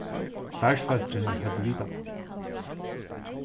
starvsfólkini høvdu vitað tað